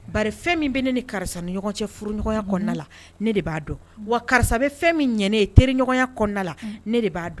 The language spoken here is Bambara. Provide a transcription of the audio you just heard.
Bari fɛn min bɛ ne ni karisa ni ɲɔgɔn cɛ furuɲɔgɔnya kɔnɔ la, ne de b'a dɔn, wa karisa bɛ fɛn min ɲɛ ne ye teriɲɔgɔnya kɔnɔna la, ne de b'a dɔn